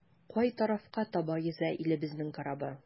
Кай тарафка таба йөзә илебезнең корабы?